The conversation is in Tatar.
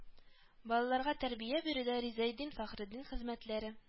Балаларга тәрбия бирүдә Ризаэддин Фәхреддин хезмәтләре